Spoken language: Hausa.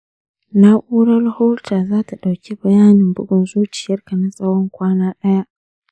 na’urar holter za ta ɗauki bayanin bugun zuciyarka na tsawon kwana ɗaya.